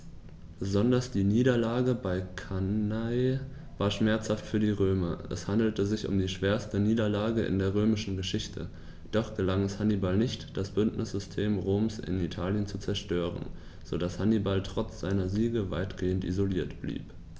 Besonders die Niederlage bei Cannae war schmerzhaft für die Römer: Es handelte sich um die schwerste Niederlage in der römischen Geschichte, doch gelang es Hannibal nicht, das Bündnissystem Roms in Italien zu zerstören, sodass Hannibal trotz seiner Siege weitgehend isoliert blieb.